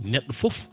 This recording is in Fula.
neɗɗo foof